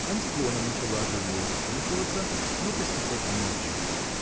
Антигона начала живее вслушиваться, но Костяков замолчал.